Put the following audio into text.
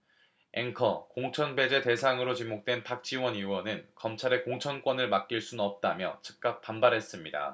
앵커 공천 배제 대상으로 지목된 박지원 의원은 검찰에 공천권을 맡길 순 없다며 즉각 반발했습니다